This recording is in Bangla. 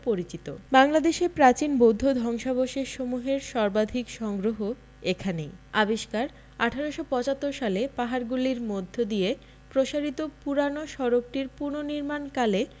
পরিচিত বাংলাদেশের প্রাচীন বৌদ্ধ ধ্বংসাবশেষসমূহের সর্বাধিক সংগ্রহ এখানেই আবিষ্কার ১৮৭৫ সালে পাহাড়গুলির মধ্য দিয়ে প্রসারিত পুরানো সড়কটির পুনঃনির্মাণ কালে